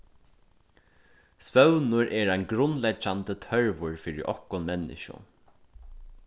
svøvnur er ein grundleggjandi tørvur fyri okkum menniskju